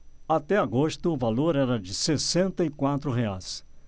até agosto o valor era de sessenta e quatro reais